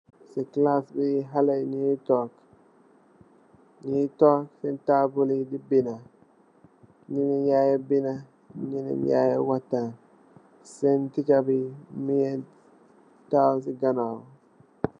Si class bi halley nyungi took, nyungi took si taabuli di binda, nyaneen yangee binda, nyaneen yangee wahtaan, sen teacher bangi tahaw si ganaaw.